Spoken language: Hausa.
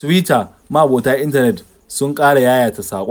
A Tuwita, ma'abota intanet sun ƙara yayata saƙon.